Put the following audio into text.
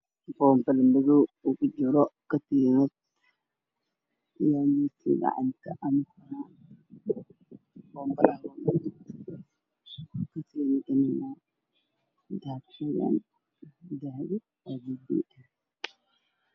Waa bongo midifkiisii yahay madow waxaa suran ka keenay jaalle ah meeshuu yaal waa caddaan